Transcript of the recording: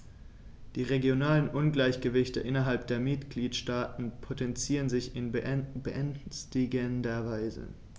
Die regionalen Ungleichgewichte innerhalb der Mitgliedstaaten potenzieren sich in beängstigender Weise.